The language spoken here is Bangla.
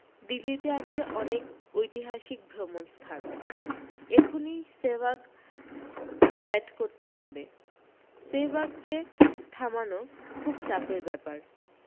দিল্লীতে আছে অনেক ঐতিহাসিক ভ্রমণ স্থান এখুনি সেহবাগ ব্যাট করতে নামবে সেহবাগকে থামানো খুব চাপের ব্যাপার